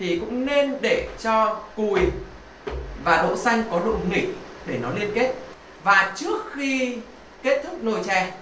thì cũng nên để cho cùi và đỗ xanh có độ nghỉ để có liên kết và trước khi kết thúc nồi chè